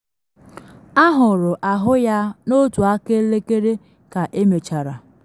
Ahụrụ ahụ ya n’otu aka elekere ka emechara.